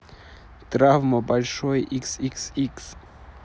травма большой xxx